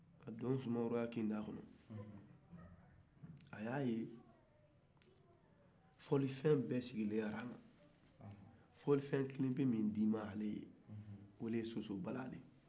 a donnen sumaworo ka kin kɔnɔ a y'a ye fɔlifen bɛ sigilen rang na fɔlifen kelen min diyara ale ye o ye soso bala de ye